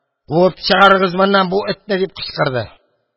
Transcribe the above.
Куып чыгарыгыз моннан бу этне! – дип кычкырды.